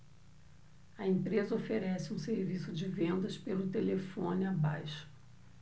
a empresa oferece um serviço de vendas pelo telefone abaixo